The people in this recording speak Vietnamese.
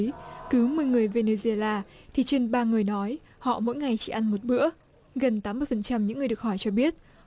cứ mười người ve nê dua la thì trên ba người nói họ mỗi ngày chỉ ăn một bữa gần tám mươi phần trăm những người được hỏi cho biết